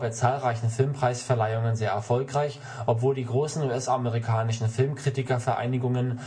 zahlreichen Filmpreisverleihungen sehr erfolgreich, obwohl die großen US-amerikanischen Filmkritikervereinigungen